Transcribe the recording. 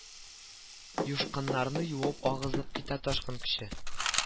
Юшкыннарны юып агызып китә ташкын көче